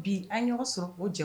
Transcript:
Bi an ɲɔgɔn sɔrɔ o jamu